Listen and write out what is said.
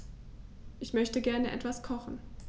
Ich möchte gerne etwas kochen.